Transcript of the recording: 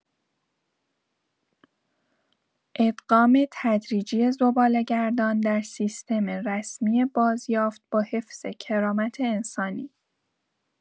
ادغام تدریجی زباله‌گردان در سیستم رسمی بازیافت با حفظ کرامت انسانی